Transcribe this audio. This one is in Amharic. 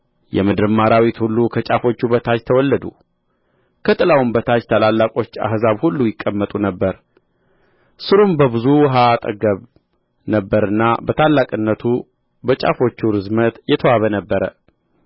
የምድርም አራዊት ሁሉ ከጫፎቹ በታች ተዋለዱ ከጥላውም በታች ታላላቆች አሕዛብ ሁሉ ይቀመጡ ነበር ሥሩም በብዙ ውኃ አጠገብ ነበረና በታላቅነቱና በጫፎቹ ርዝመት የተዋበ ነበረ